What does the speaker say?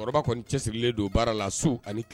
Musokɔrɔba kɔni cɛ sigilenlen don baara la so